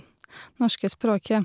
Norske språket.